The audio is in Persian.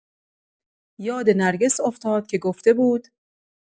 یاد نرگس افتاد که گفته بود